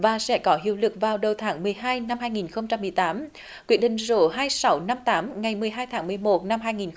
và sẽ có hiệu lực vào đầu tháng mười hai năm hai nghìn không trăm mười tám quyết định số hai sáu năm tám ngày mười hai tháng mười một năm hai nghìn